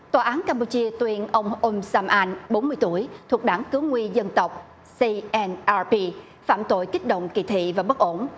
tòa án cam pu chia tuyền ông um sam an bốn mươi tuổi thuộc đảng cứu nguy dân tộc xi en a bi phạm tội kích động kỳ thị và bất ổn